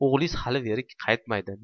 o'g'liz hali veri qaytmaydi